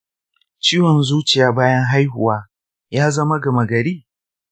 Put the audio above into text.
ciwon zuciya bayan haihuwa ya zama gama gari?